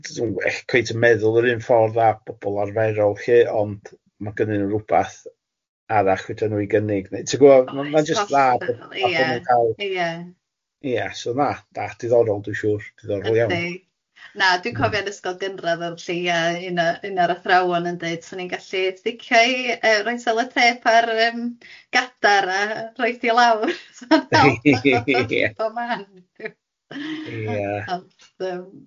dw- dwi'n well cweit yn meddwl yr un ffordd â bobol arferol lly ond ma gynnyn nhw rwbath arall fedra nhw ei gynnig neu ti'n gwybod ma' jyst dda...oes hollol ia ia ia. ...so na da diddorol dwi'n siŵr diddorol iawn... Yndy na dwi'n cofio yn ysgol gynradd felly ia un o un o'r athrawon yn dweud swn i'n gallu sticio i yy roi selatêp ar yym gadar a rhoid hi lawr so ma'n cael fatha bod o'n bodd o man... Ia ond yym. ...na.